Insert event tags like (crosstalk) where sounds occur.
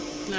(noise) d' acc